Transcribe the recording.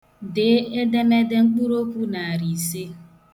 Dee edemede mkpụrụokwu narị ise.